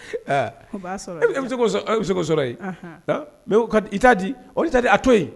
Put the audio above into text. E e bɛ se' sɔrɔ yen t' di o taa di a to yen